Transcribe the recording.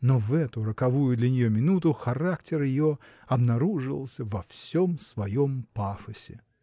Но в эту роковую для нее минуту характер ее обнаруживался во всем своем пафосе.